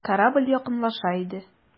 Корабль якынлаша иде.